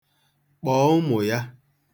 Kpọọ ụmụ ya.